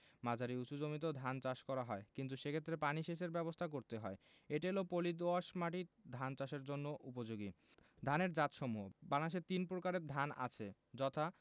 মাঝারি উচু জমিতেও ধান চাষ করা হয় কিন্তু সেক্ষেত্রে পানি সেচের ব্যাবস্থা করতে হয় এঁটেল ও পলি দোআঁশ মাটি ধান চাষের জন্য উপযোগী ধানের জাতসমূহঃ বাংলাদেশে তিন প্রকারের ধান আছে যথাঃ